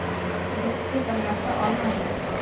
biz ku birlasha olmaymiz